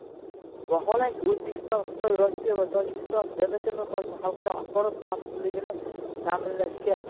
vaholanki o'zbekiston xitoy rossiya va tojikiston bmt miqyosida xalqaro axborot xavfsizligini ta'minlashga